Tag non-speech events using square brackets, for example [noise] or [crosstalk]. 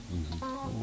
[hesitation] [hesitation]